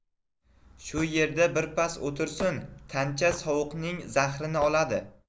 shu yerda birpas o'tirsin tancha sovuqning zaxrini oladi